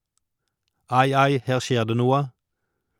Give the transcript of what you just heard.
Ai ai, her skjer det noe.